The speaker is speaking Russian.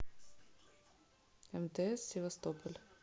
мтс севастополь